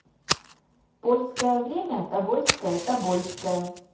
польское время тобольское тобольское